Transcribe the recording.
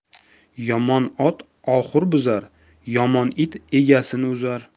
yomon ot oxur buzar yomon it egasini uzar